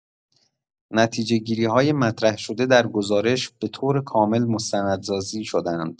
نتیجه‌گیری‌های مطرح‌شده در گزارش به‌طور کامل مستندسازی شده‌اند.